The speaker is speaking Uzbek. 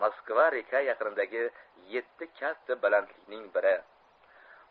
moskva reka yaqinidagi yetti katta balandlikning biri